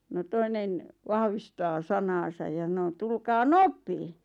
no toinen vahvistaa sanansa ja sanoi tulkaa nopeasti